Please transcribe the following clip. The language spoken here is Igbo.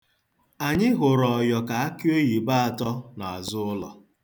Anyị hụrụ ọyọkọ akị oyibo atọ n'azụ ụlọ.